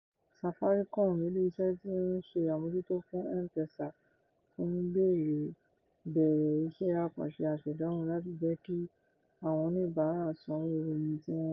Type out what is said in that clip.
Safaricom, ilé-iṣẹ́ tí ó ń ṣe àmójútó fún M-Pesa, ti ń bẹ̀rẹ̀ iṣẹ́ àkànṣe aṣèdánwò láti jẹ́ kí àwọn oníbàárà sanwó omi tí wọ́n ń lò.